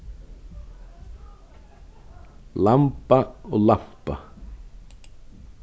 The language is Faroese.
lamba og lampa